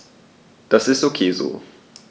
Das ist ok so.